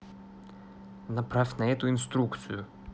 направь на эту инструкцию